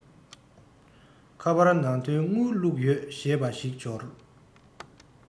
ཁ པར ནང དོན དངུལ བླུག ཡོད ཞེས པ ཞིག འབྱོར